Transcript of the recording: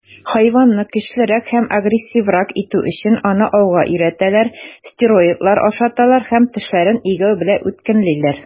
Хайванны көчлерәк һәм агрессиврак итү өчен, аны ауга өйрәтәләр, стероидлар ашаталар һәм тешләрен игәү белән үткенлиләр.